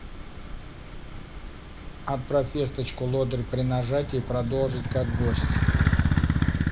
отправь весточку лодырь при нажатии продолжить как гость